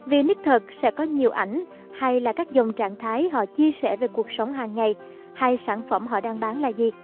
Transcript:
vì nick thật sẽ có nhiều ảnh hay là cách dùng trạng thái họ chia sẻ về cuộc sống hàng ngày hay sản phẩm họ đang bán là gì